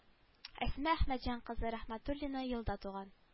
Әсма әхмәтҗан кызы рәхмәтуллина елда туган